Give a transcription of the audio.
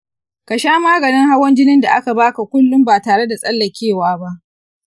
ka sha maganin hawan jinin da aka ba ka kullum ba tare da tsallakewa ba.